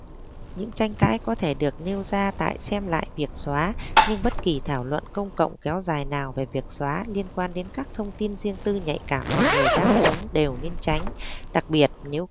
những tranh cãi có thể được nêu ra tại xem lại việc xóa nhưng bất kỳ thảo luận công cộng kéo dài nào về việc xóa liên quan đến các thông tin riêng tư nhạy cảm về người đang sống đều nên tránh đặc biệt nếu